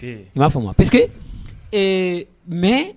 N b'a fɔ o ma ps que mɛ